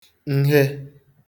nhe